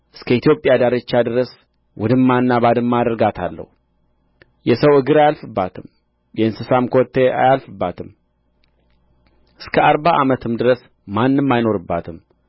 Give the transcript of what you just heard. እስከ ኢትዮጵያ ዳርቻ ድረስ ውድማና ባድማ አደርጋታለሁ የሰው እግር አያልፍባትም የእንስሳም ኮቴ አያልፍባትም እስከ አርባ ዓመትም ድረስ ማንም አይኖርባትም